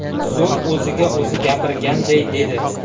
so'ng o'ziga o'zi gapirganday dedi